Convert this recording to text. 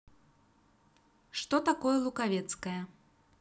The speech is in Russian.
что такое луковецкая